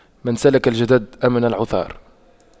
من سلك الجدد أمن العثار